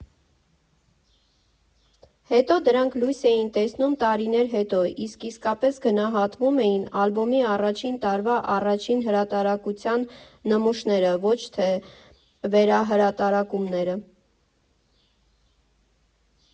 Հետո դրանք լույս էին տեսնում տարիներ հետո, իսկ իսկապես գնահատվում էին ալբոմի առաջին տարվա առաջին հրատարակության նմուշները, ոչ թե վերահրատարակումները։